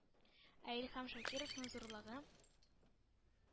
Ә Илһам Шакировның зурлыгы,